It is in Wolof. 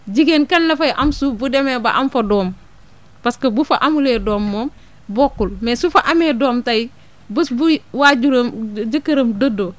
jigéen kañ la fay am suuf bu demee ba am fa doom parce que bu fa amulee doom moom bokkul mais su fa amee doom tey bés buy waajuram jëkkëram dëddoo